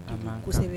A masɛbɛ